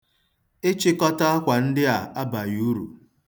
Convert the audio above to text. Ịchịkọta akwa ndị a abaghị uru.